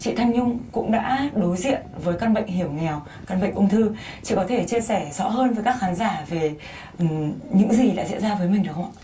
chị thanh nhung cũng đã đối diện với căn bệnh hiểm nghèo căn bệnh ung thư chị có thể chia sẻ rõ hơn với các khán giả về những gì đã diễn ra với mình được không ạ